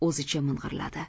o'zicha ming'irladi